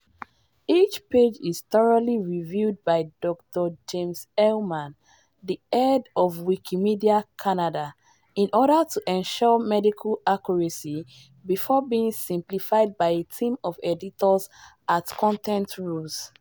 Each page is thoroughly reviewed by Dr. James Heilman, the head of Wikimedia Canada, in order to ensure medical accuracy, before being simplified by a team of editors at Content Rules.